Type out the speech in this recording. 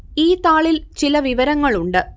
ഈ താളിൽ ചില വിവരങ്ങൾ ഉണ്ട്